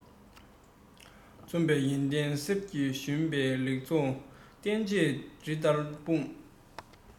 རྩོམ པས ཡོན ཏན གསེར གྱི ཞུན མའི ལེགས ཚོགས བསྟན བཅོས རི ལྟར སྤུངས